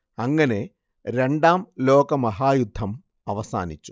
അങ്ങനെ രണ്ടാം ലോകമഹായുദ്ധം അവസാനിച്ചു